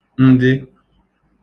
ndị